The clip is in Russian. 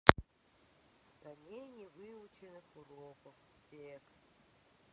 в стране невыученных уроков текст